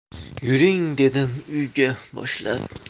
yuring dedim uyga boshlab